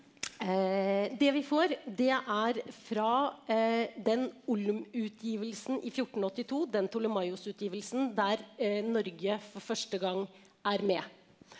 det vi får det er fra den Olm-utgivelsen i 1482 den Ptolemaios-utgivelsen der Norge for første gang er med.